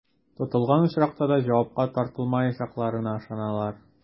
Тотылган очракта да җавапка тартылмаячакларына ышаналар.